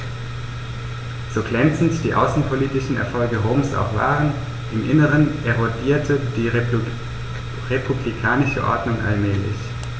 So glänzend die außenpolitischen Erfolge Roms auch waren: Im Inneren erodierte die republikanische Ordnung allmählich.